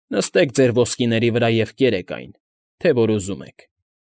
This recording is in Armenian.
Նստեք ձեր ոսկիների վրա և կերեք այն, թե որ ուզում եք։